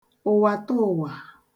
ụ̀wạ̀tọụ̀wà